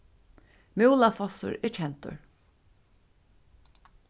múlafossur er kendur